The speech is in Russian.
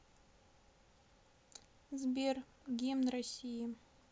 сбер гимн россии